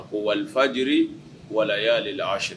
A ko walifaji wala aleale la ase